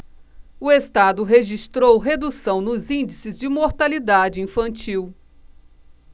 o estado registrou redução nos índices de mortalidade infantil